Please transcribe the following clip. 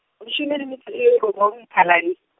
leshome le metso e robong Mphalane.